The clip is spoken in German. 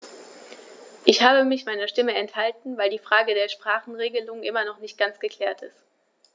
Ich habe mich meiner Stimme enthalten, weil die Frage der Sprachenregelung immer noch nicht ganz geklärt ist.